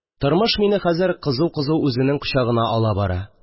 Тормыш мине хәзер кызу-кызу үзенең кочагына ала бара